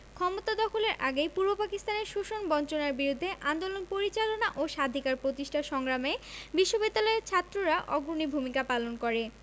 ক্ষমতা দখলের আগেই পূর্ব পাকিস্তানে শোষণ বঞ্চনার বিরুদ্ধে আন্দোলন পরিচালনা ও স্বাধিকার প্রতিষ্ঠার সংগ্রামে বিশ্ববিদ্যালয়ের ছাত্ররা অগ্রণী ভূমিকা পালন করে